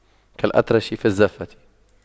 كالأطرش في الزَّفَّة